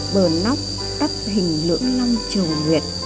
bờ nóc đắp hình lưỡng long chầu nguyệt